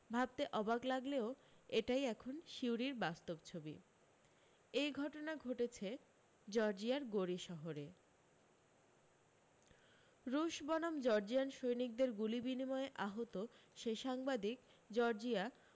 ভাবতে অবাক লাগলেও এটাই এখন সিউড়ির বাস্তব ছবি এই ঘটনা ঘটেছে জর্জিয়ার গোরি শহরে রুশ বনাম জর্জিয়ান সৈনিকদের গুলি বিনিময়ে আহত সেই সাংবাদিক জর্জিয়া